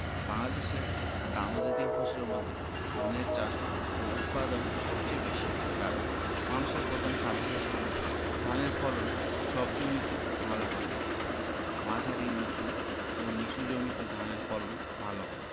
বাংলাদেশে দানাজাতীয় ফসলের মধ্যে ধানের চাষ ও উৎপাদন সবচেয়ে বেশি কারন মানুষের প্রধান খাদ্যশস্য হলো ভাত ধানের ফলন সব জমিতে ভালো হয় না মাঝারি নিচু ও নিচু জমিতে ধানের ফলন ভালো হয়